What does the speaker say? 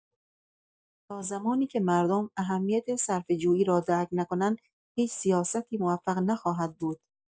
تا زمانی که مردم اهمیت صرفه‌جویی را درک نکنند، هیچ سیاستی موفق نخواهد بود.